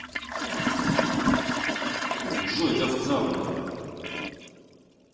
джой ты овца блядь